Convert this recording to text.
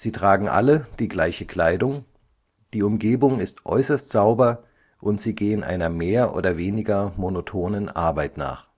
tragen alle die gleiche Kleidung, die Umgebung ist äußerst sauber, und sie gehen einer mehr oder weniger monotonen Arbeit nach